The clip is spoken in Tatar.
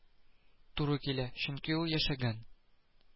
Туры килә, чөнки ул яшәгән